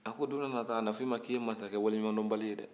a ko don na nataw la a na fɔ i k'i ye mansakɛ waleɲumadɔnbali ye dɛ